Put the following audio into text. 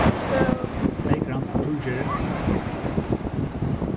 tvey gramm av turrgeri